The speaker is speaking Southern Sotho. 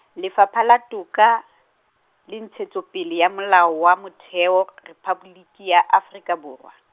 Lefapha la Toka, le Ntshetsopele ya Molao wa Motheo Rephaboliki ya Afrika Borwa.